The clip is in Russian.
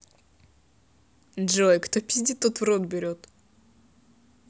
джой кто пиздит тот в рот берет